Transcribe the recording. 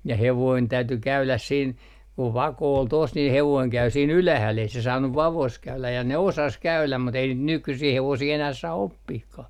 ja hevonen täytyi käydä siinä kun vako oli tuossa niin hevonen kävi siinä ylhäällä ei se saanut vaossa käydä ja ne osasi käydä mutta ei niitä nykyisiä hevosia enää saa oppimaankaan